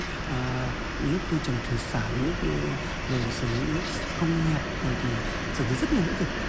à nước nuôi trồng thủy sản nước nuôi rồi xử lý nước công nghiệp rồi thì xử lý rất nhiều lĩnh vực